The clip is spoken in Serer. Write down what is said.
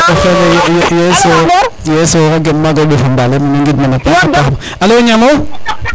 o xene ye eso ye eso a gen maga o Mbof a mbale i ngid mana paaxa paxa alo Niamo